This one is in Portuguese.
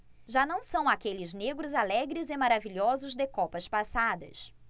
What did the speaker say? já não são aqueles negros alegres e maravilhosos de copas passadas